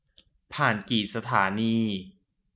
ผ่านกี่สถานี